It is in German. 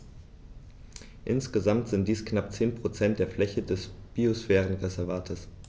Insgesamt sind dies knapp 10 % der Fläche des Biosphärenreservates.